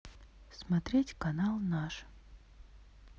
смотреть канал наш